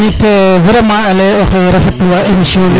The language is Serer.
tenit vraiment ale oxey rafetluwa émission ne